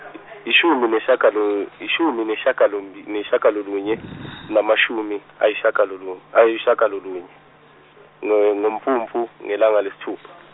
ishumi nesishagalo- ishumi neshagolombi- neshagalolunye , namashumi ayishagalolu-, ayishagalolunye ngo- ngoMfumfu ngelanga lesithupha.